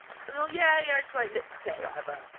A maen nhw fel, "Yeah, yeah, just licked her tit or whatever."